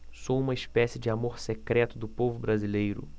sou uma espécie de amor secreto do povo brasileiro